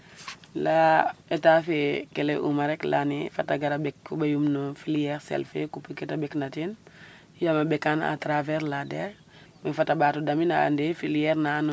Laya Etat fe ke lay'uma rek layan ne fata gara ɓek o ɓayum no filiere sel fe qupun ke te ɓekna teen yaam a ɓekan atravers la DER mais fa mbaat o damit a ande filiere na ando